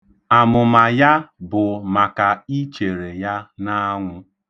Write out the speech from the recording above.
Amụma ya bụ maka i chere ya n'anwụ.